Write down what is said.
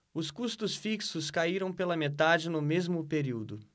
os custos fixos caíram pela metade no mesmo período